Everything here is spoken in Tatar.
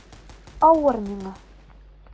Авыр миңа...